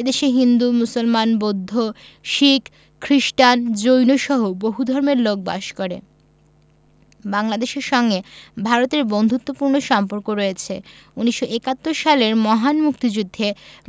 এ দেশে হিন্দু মুসলমান বৌদ্ধ শিখ খ্রিস্টান জৈনসহ বহু ধর্মের লোক বাস করে বাংলাদেশের সঙ্গে ভারতের বন্ধুত্তপূর্ণ সম্পর্ক রয়ছে ১৯৭১ সালের মহান মুক্তিযুদ্ধে